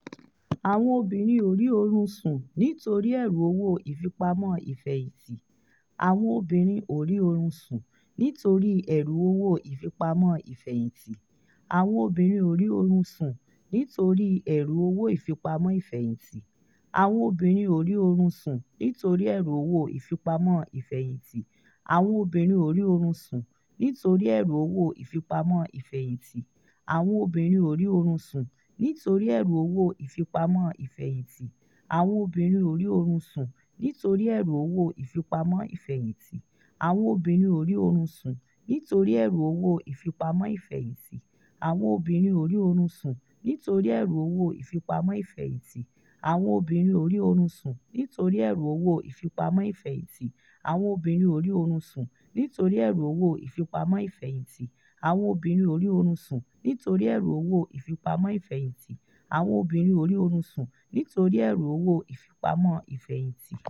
Àwọn obìnrin ò rí oorun sùn nítorí ẹ̀rù owó ìfipamọ́ ìfẹ̀hìntì